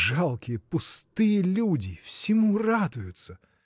Жалкие, пустые люди: всему радуются!